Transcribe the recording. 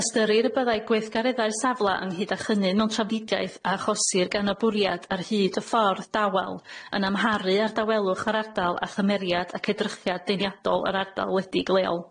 Ystyrir y byddai gweithgareddau'r safla ynghyd â chynnyn mewn trafdidiaeth a achosir gan y bwriad ar hyd y ffordd dawel yn amharu ar dawelwch yr ardal a chymeriad ac edrychiad deniadol yr ardal wledig leol.